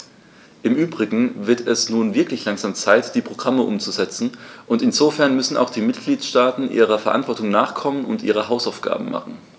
Im übrigen wird es nun wirklich langsam Zeit, die Programme umzusetzen, und insofern müssen auch die Mitgliedstaaten ihrer Verantwortung nachkommen und ihre Hausaufgaben machen.